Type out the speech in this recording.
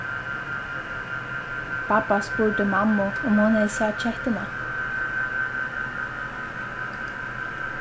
babba spurdi mammu um hon hevði sæð kettuna